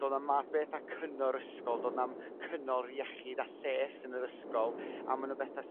do'dd na'm math beth a cyn'or ysgol do'dd na'm cyn'or iechyd a lles yn yr ysgol a ma' 'na betha'